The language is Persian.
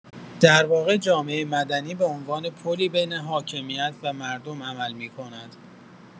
در واقع، جامعه مدنی به‌عنوان پلی بین حاکمیت و مردم عمل می‌کند.